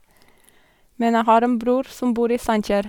Men jeg har en bror som bor i Steinkjer.